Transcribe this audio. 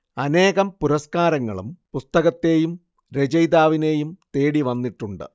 അനേകം പുരസ്കരങ്ങളും പുസ്തകത്തെയും രചയിതാവിനെയും തേടിവന്നിട്ടുണ്ട്